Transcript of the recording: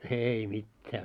ei mitään